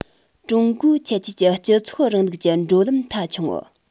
ཀྲུང གོའི ཁྱད ཆོས ཀྱི སྤྱི ཚོགས རིང ལུགས ཀྱི འགྲོ ལམ མཐའ འཁྱོངས